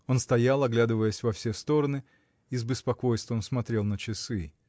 Он стоял, оглядываясь во все стороны, и с беспокойством смотрел на часы.